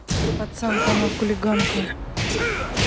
пацанка она хулиганка